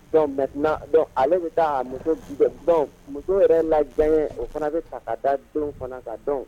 Don mɛ dɔn ale bɛ taa muso muso yɛrɛ la diya ye o fana bɛ ka taa don fana ka dɔn